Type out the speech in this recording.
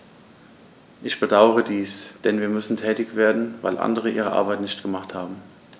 Ich bedauere dies, denn wir müssen tätig werden, weil andere ihre Arbeit nicht gemacht haben.